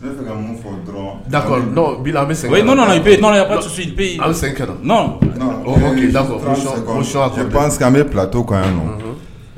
Bɛ bɛse nɔn'i an bɛ pto kɔ yan nɔ